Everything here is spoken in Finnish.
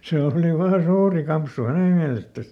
se oli se oli vain suuri kampsu hänen mielestään